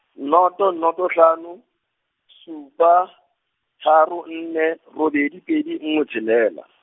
noto noto hlano, supa, tharo, nne robedi, pedi nngwe tshelela.